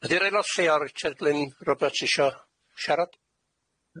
Ydi'r aelod lleol Richard Glyn Roberts isio siarad?